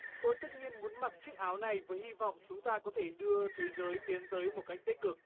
tôi tất nhiên muốn mặc chiếc áo này với hy vọng chúng ta có thể đưa thế giới tiến tới một cách tích cực